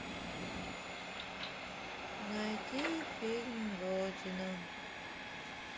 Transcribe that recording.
найди фильм родина